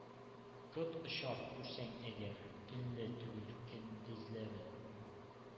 Кот очар, күрсәң әгәр, төнлә түгел — көндезләре.